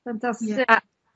Fantastic